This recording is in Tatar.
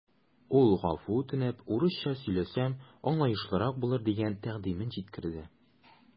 Ул гафу үтенеп, урысча сөйләсәм, аңлаешлырак булыр дигән тәкъдимен җиткерде.